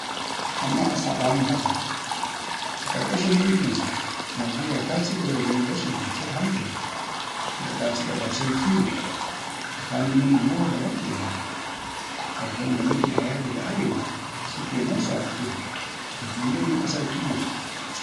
Amma a saɓanin haka, a ƙarƙashin mulkinsa, Najeriya ta cigaba da ganin rashin kwanciyar hankali na faɗace-faɗacen kiwo tsakanin manoma da makiyaya a yayin da makiyaya daga arewa suke nausawa kudu domin neman ƙasar kiwo.